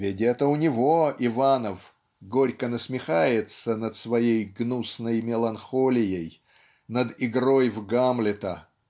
ведь это у него Иванов горько насмехается над своей "гнусной меланхолией" над игрой в Гамлета.